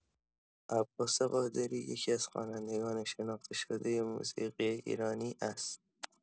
عباس قادری یکی‌از خوانندگان شناخته‌شده موسیقی ایرانی است.